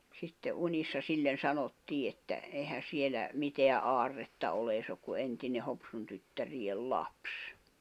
sitten unissa sille sanottiin että eihän siellä mitään aarretta ole ei se ole kuin entinen Hopsun tyttärien lapsi